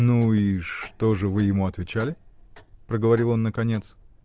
-- Ну, и что же вы ему отвечали? -- проговорил он наконец.